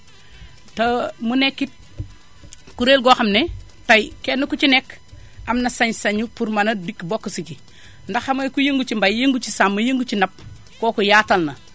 ta mu nekk it kuréel goo xam ne tay kenn ku ci nekk am na sañ-sañu pour mën a dikk bokk si ci ndax xam nga kuy yëngu ci mbay yëngu ci sàmm yëngu ci napp kooku yaatal na